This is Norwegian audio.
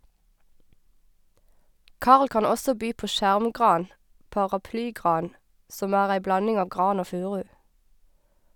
Karl kan også by på skjermgran (paraplygran) , som er ei blanding av gran og furu.